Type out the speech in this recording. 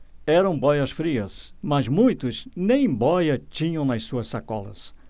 eram bóias-frias mas muitos nem bóia tinham nas suas sacolas